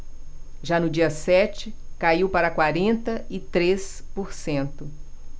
já no dia sete caiu para quarenta e três por cento